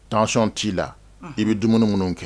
Taasɔnɔn t'i la i bɛ dumuni minnu kɛ